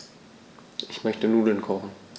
Ich möchte Nudeln kochen.